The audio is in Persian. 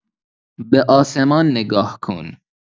به آسمان نگاه کن.